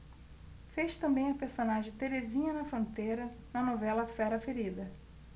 fez também a personagem terezinha da fronteira na novela fera ferida